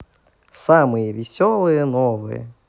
самые веселые новые